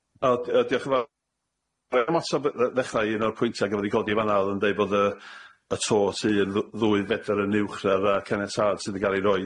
O d- o diolch yn fawr. Ga i ymatab dd- ddechra i un o'r pwyntia' gafodd 'u codi yn fan'na o'dd yn deu' bod y y to y tŷ yn dd- ddwy fetr yn uwch na'r yy caniatâd sydd 'di cael ei roi.